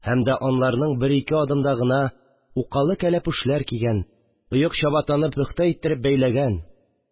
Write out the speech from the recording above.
Һәм дә алардан бер-ике адымда гына укалы кәләпүшләр кигән, оек-чабатаны пөхтә иттереп бәйләгән